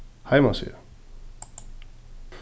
heimasíða